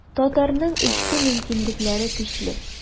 Татарның эчке мөмкинлекләре көчле.